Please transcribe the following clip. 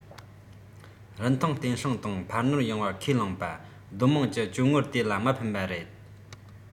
རིན ཐང བརྟན སྲུང དང འཕར སྣོན ཡོང བར ཁས བླངས པ སྡོད དམངས ཀྱི བཅོལ དངུལ དེ ལ མི ཕན པ རེད